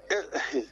Ee